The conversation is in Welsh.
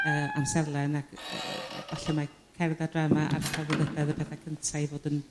yrr amserlen ag yrr yrr yrr 'falle mae cerdd a drama a'r celfyddyde o'dd y pethe cynta' i fod yn